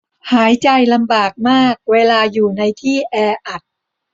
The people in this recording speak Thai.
หายใจลำบากมากเวลาอยู่ในที่แออัด